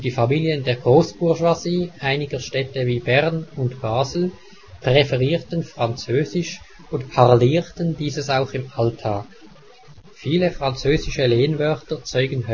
Familien der Großbourgeoisie einiger Städte wie Bern und Basel " präferierten " Französisch und " parlierten " dieses auch im Alltag. Viele französische Lehnwörter zeugen